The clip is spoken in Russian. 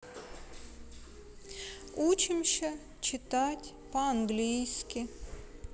учимся читать по английски